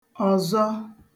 ọ̀zọ